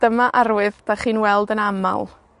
Dyma arwydd 'dach chi'n weld yn amal.